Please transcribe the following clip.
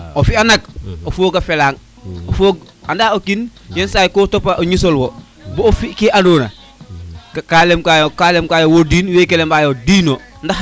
o fiya nak o fog a felan o foog andan o kiin yenisaay ko topa o ñisole wo bo fi ke adno na ka lem kayo ka lem kayo wo di un weke di ino